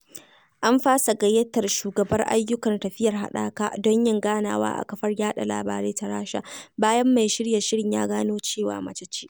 An fasa gayyatar shugabar ayyukan tafiyar haɗaka don yin ganawa a kafar yaɗa labarai ta Rasha, bayan mai shirya shirin ya gano cewa mace ce